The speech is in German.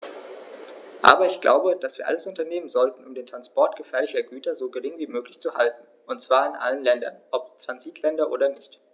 Aber ich glaube, dass wir alles unternehmen sollten, um den Transport gefährlicher Güter so gering wie möglich zu halten, und zwar in allen Ländern, ob Transitländer oder nicht.